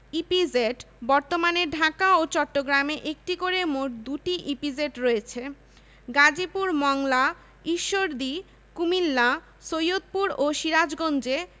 বালুকাস্তর ভূগর্ভস্থ জলস্তরের ভূমিকা পালন করে পার্বত্য এলাকায় ভূগর্ভস্থ জলস্তরের ভূমিকা পালন করে প্লাইসটোসিন টিপাম বালুকাস্তর